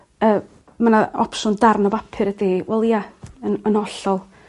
Yy ma' 'na opsiwn darn o bapur ydi 'i. Wel ie yn yn hollol.